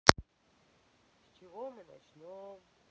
с чего мы начнем